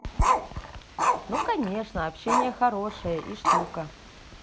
ну конечно общение хорошее и штука